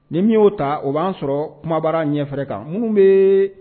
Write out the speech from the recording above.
Ni min y'o ta o b'a sɔrɔ kumabara ɲɛfɛɛrɛ kan minnu bɛ